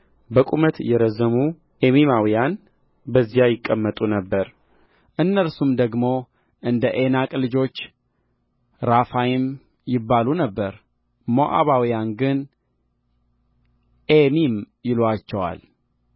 በቁመት የረዘሙ ኤሚማውያን በዚያ ይቀመጡ ነበርእነርሱም ደግሞ እንደ ዔናቅ ልጆች ራፋይም ይባሉ ነበር ሞዓባውያን ግን ኤሚም ይሉአቸዋል